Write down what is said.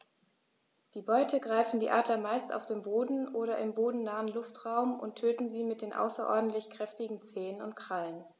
Die Beute greifen die Adler meist auf dem Boden oder im bodennahen Luftraum und töten sie mit den außerordentlich kräftigen Zehen und Krallen.